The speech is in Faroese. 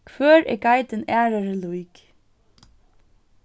hvør er geitin aðrari lík